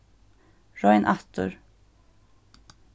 royn aftur